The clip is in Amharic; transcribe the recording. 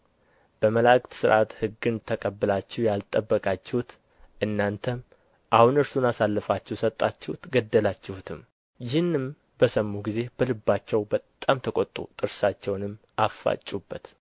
በመላእክት ሥርዓት ሕግን ተቀብላችሁ ያልጠበቃችሁት እናንተም አሁን እርሱን አሳልፋችሁ ሰጣችሁት ገደላችሁትም ይህንም በሰሙ ጊዜ በልባቸው በጣም ተቈጡ ጥርሳቸውንም አፋጩበት